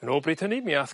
Yn ôl bryd hynny mi ath...